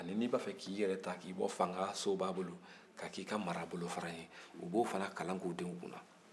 ani n'i b'a fɛ k'i yɛrɛta ka bɔ fanga soba bolo ka k'i ka marabolofara ye u b'o fana kalan kɛ u denw kun